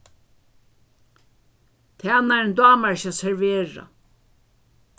tænarin dámar ikki at servera